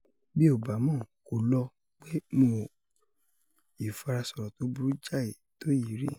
Bí ‘ò bá mọ̀, kó lọ pé mo ‘ò ìfarasọ̀rọ̀ tó burú jáyì tó yìí rí.”